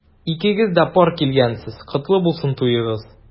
Икегез дә пар килгәнсез— котлы булсын туегыз!